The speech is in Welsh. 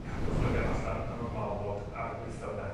cadwch lygad allan am y malwod a'r gwlithod yne